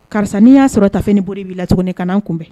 Karisa n'i n y'a sɔrɔ tafe ni bodi b'i la tuguni kana n kunbɛn